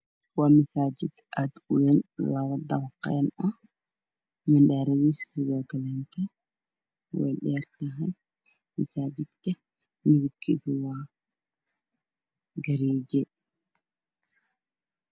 Waa masaajid aad u Wayn oo labo dabaq ah midabkiisu waa gariije.